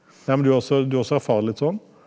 jammen du har også du også erfarer det litt sånn?